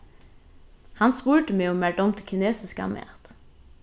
hann spurdi meg um mær dámdi kinesiskan mat